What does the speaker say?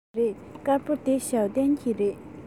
དཀར པོ འདི ཞའོ ཏོན གྱི རེད